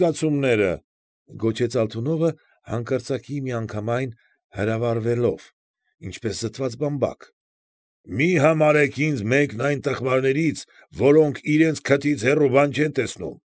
Զգացումները,֊ գոչեց Ալթունովը, հանկարծակի միանգամայն հրավառվելով ինչպես զտված բամբակ,֊ մի՛ համարեք ինձ մեկն այն տխմարներից, որոնք իրենց քթից հեոու բան չեն տեսնում։